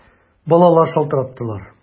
Балалар шалтыраттылар!